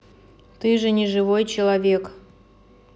ты же не живой человек